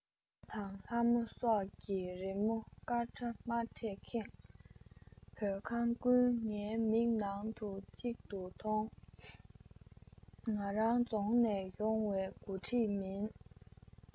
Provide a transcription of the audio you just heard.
ལྷ དང ལྷ མོ སོགས ཀྱི རི མོ དཀར ཁྲ དམར ཁྲས ཁེངས བོད ཁང ཀུན ངའི མིག ནང དུ གཅིག ཏུ མཐོང ང རང རྫོང ནས ཡོང བའི མགོ ཁྲིད མིན